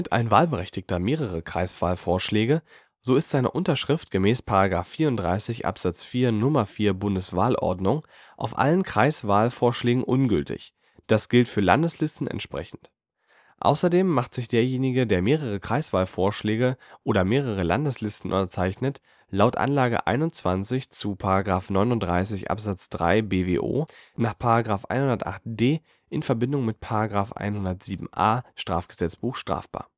ein Wahlberechtigter mehrere Kreiswahlvorschläge, so ist seine Unterschrift gemäß § 34 Abs. 4 Nr. 4 Bundeswahlordnung (BWO) auf allen Kreiswahlvorschlägen ungültig; das gilt für Landeslisten entsprechend. Außerdem macht sich derjenige, der mehrere Kreiswahlvorschläge oder mehrere Landeslisten unterzeichnet, laut der Anlage 21 zu § 39 Abs. 3 BWO nach § 108d i.V.m. § 107a StGB strafbar